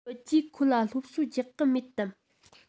ཁྱོད ཀྱིས ཁོ ལ སློབ གསོ རྒྱག གི མེད དམ